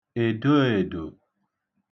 òdoòdò